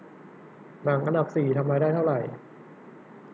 หนังอันดับสี่ทำรายได้เท่าไหร่